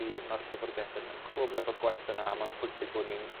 felly ma'r llyfyrgell yn yn clwm efo'r gwaith yna a ma'n pwysig bo' ni'n